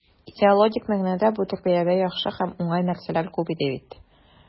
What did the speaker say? Идеологик мәгънәдә бу тәрбиядә яхшы һәм уңай нәрсәләр күп иде бит.